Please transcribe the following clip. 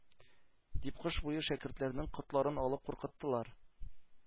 Дип кыш буе шәкертләрнең котларын алып куркыттылар.